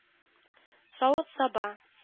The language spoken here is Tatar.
Савыт-саба